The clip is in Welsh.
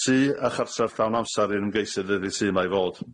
Tŷ a chartref llawn amsar i'r ymgeisydd ydi'r tŷ 'ma i fod.